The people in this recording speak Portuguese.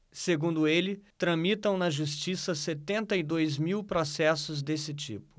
segundo ele tramitam na justiça setenta e dois mil processos desse tipo